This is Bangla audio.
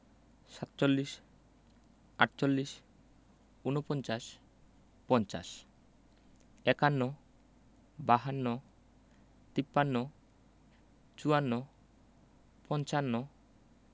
৪৭ - সাতচল্লিশ ৪৮ -আটচল্লিশ ৪৯ – উনপঞ্চাশ ৫০ - পঞ্চাশ ৫১ – একান্ন ৫২ - বাহান্ন ৫৩ - তিপ্পান্ন ৫৪ - চুয়ান্ন ৫৫ – পঞ্চান্ন